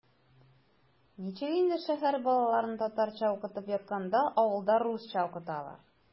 Ничек инде шәһәр балаларын татарча укытып ятканда авылда русча укыталар?!